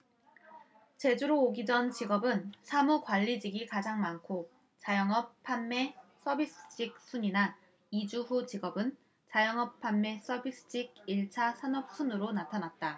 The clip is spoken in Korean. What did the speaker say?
제주로 오기 전 직업은 사무 관리직이 가장 많고 자영업 판매 서비스직 순이나 이주 후 직업은 자영업 판매 서비스직 일 차 산업 순으로 나타났다